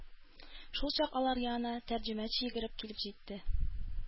Шулчак алар янына тәрҗемәче йөгереп килеп җитте.